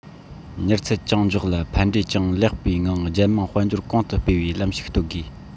མྱུར ཚད ཅུང མགྱོགས ལ ཕན འབྲས ཀྱང ཅུང ལེགས པའི ངང རྒྱལ དམངས དཔལ འབྱོར གོང དུ སྤེལ བའི ལམ ཞིག གཏོད དགོས